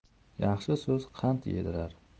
yaxshi so'z qand yedirar